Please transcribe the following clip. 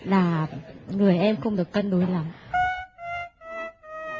là người em không được cân đối lắm